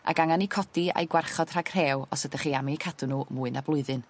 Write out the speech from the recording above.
ac angan 'u codi a'u gwarchod rhag rhew os ydych chi am eu cadw n'w mwy na blwyddyn.